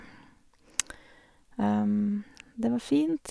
Det var fint.